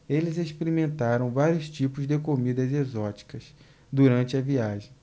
eles experimentaram vários tipos de comidas exóticas durante a viagem